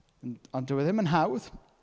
Ond ond dyw e ddim yn hawdd.